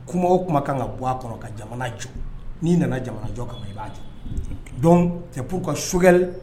Kuma o kuma kan ka bɔ a kɔnɔ ka jamana jɔ n'i nana jamanajɔ kama i b'a kɛ dɔn cɛp ka sokɛ